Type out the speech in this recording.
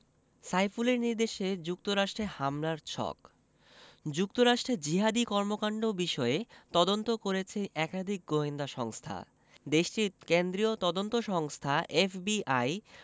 সাইফুলের নির্দেশে যুক্তরাষ্ট্রে হামলার ছক যুক্তরাষ্ট্রে জিহাদি কর্মকাণ্ড বিষয়ে তদন্ত করেছে একাধিক গোয়েন্দা সংস্থা দেশটির কেন্দ্রীয় তদন্ত সংস্থা এফবিআই